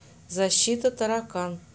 защита таракан